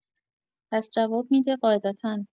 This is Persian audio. پس جواب می‌ده قاعدتا